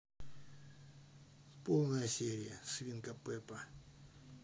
полная серия свинка пеппа